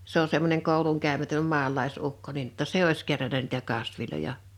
se on semmoinen koulunkäymätön maalaisukko niin jotta se olisi kerännyt niitä kasveja